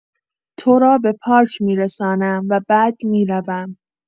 تو را به پارک می‌رسانم و بعد می‌روم.